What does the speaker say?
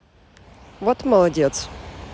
вот молодец